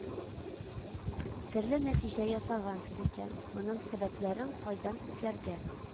Төрле нәтиҗә ясагансыз икән, моның сәбәпләрен кайдан эзләргә